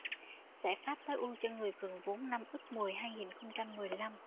giải pháp tối ưu cho người cần vốn năm ất mùi hai nghìn không trăm mười lăm